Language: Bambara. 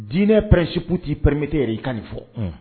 Diinɛ principe t'i permettre i yɛrɛ i ka ni fɔ.